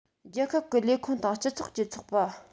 རྒྱལ ཁབ ཀྱི ལས ཁུངས དང སྤྱི ཚོགས ཀྱི ཚོགས པ